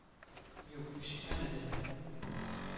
Юк, ишетмәде дә